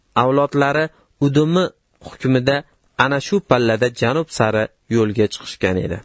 avlodlari udumi hukmida ayni shu pallada janub sari yo'lga chiqishgan edi